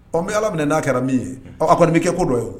Ɔ n bɛ ala minɛ n'a kɛra min ye a kɔni nin bɛ kɛ ko dɔ ye